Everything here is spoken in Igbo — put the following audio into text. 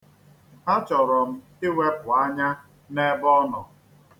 Achọrọ m iwepụ anya n'ebe ọ nọ.